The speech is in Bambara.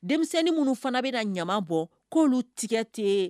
Denmisɛnnin minnu fana bɛ na ɲama bɔ k'olu tiga tɛ